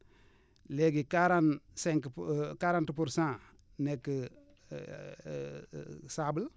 léegi quarante cinq quarante pour cent nekk sable